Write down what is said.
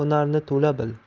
bir hunarni to'la bil